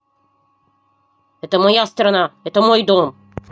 это моя страна это мой дом